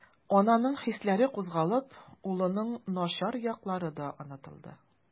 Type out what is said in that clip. Ананың хисләре кузгалып, улының начар яклары да онытылды.